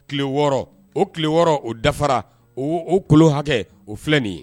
Tile wɔɔrɔ o tile wɔɔrɔ o dafara o o kolon hakɛ o filɛ nin ye